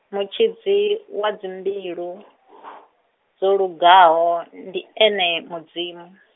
mutshidzi, wa dzimbilu , dzolugaho, ndi ene Mudzimu.